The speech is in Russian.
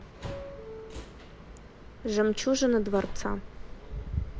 жемчужина дворца